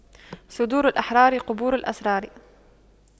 صدور الأحرار قبور الأسرار